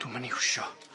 Dwi'm yn iwsio.